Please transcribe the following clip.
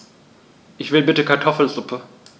Ich will bitte Kartoffelsuppe.